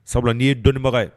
Sabula n' ye dɔnniibaga ye